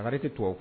Tɛ to aw